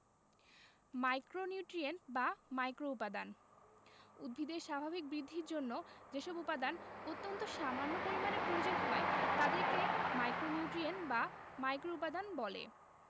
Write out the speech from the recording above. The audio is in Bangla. ২ মাইক্রোনিউট্রিয়েন্ট বা মাইক্রোউপাদান উদ্ভিদের স্বাভাবিক বৃদ্ধির জন্য যেসব উপাদান অত্যন্ত সামান্য পরিমাণে প্রয়োজন হয় তাদেরকে মাইক্রোনিউট্রিয়েন্ট বা মাইক্রোউপাদান বলে